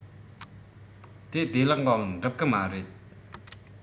དེ བདེ ལག ངང འགྲུབ གི མ རེད